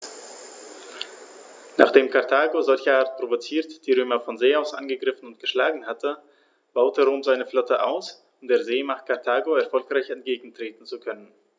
Nachdem Karthago, solcherart provoziert, die Römer von See aus angegriffen und geschlagen hatte, baute Rom seine Flotte aus, um der Seemacht Karthago erfolgreich entgegentreten zu können.